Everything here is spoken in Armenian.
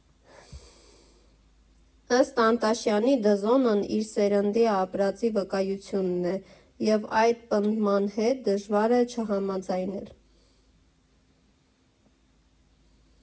Ըստ Անտաշյանի՝ «Դզոնն» իր սերնդի ապրածի վկայությունն է (և այդ պնդման հետ դժվար է չհամաձայնել)։